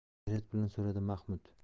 hayrat bilan so'radi mahmud